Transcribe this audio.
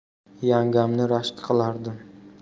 yangamni rashk qilardim